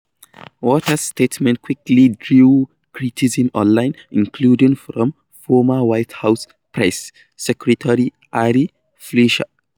Waters' statement quickly drew criticism online, including from former White House press secretary Ari Fleischer.